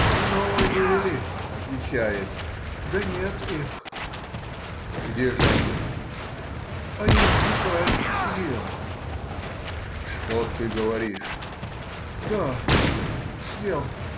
— Со мной были,— отвечает,— да нет их. — Где же они? — Их дикарь съел. — Что ты говоришь! — Да!. съел!